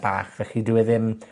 bach, felly dyw e ddim